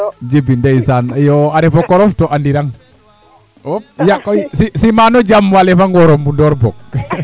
Djiby ndeysaan iyo a ref o korof to andirang wop yaag koy simano Diafale fo Ngor o NDoundokh boog